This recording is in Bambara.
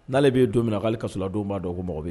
N'ale bɛ ye don min k'ale kala don b'a dɔn ko mɔgɔ